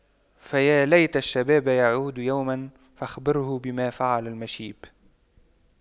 فيا ليت الشباب يعود يوما فأخبره بما فعل المشيب